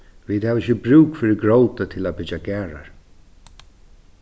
vit hava ikki brúk fyri gróti til at byggja garðar